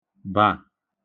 ḃà